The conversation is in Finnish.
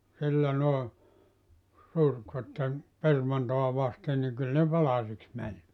sillä noin surkkivat permantoa vasten niin kyllä ne palasiksi meni